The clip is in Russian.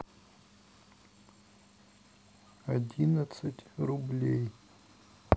одиннадцать рублей